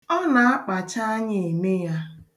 Ọ na-akpacha anya eme ya.